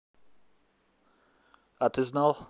а ты знал